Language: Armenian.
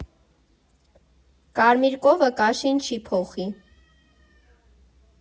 Կարմիր կովը կաշին չի փոխի։